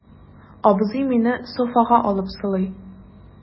Абзый мине софага алып сылый.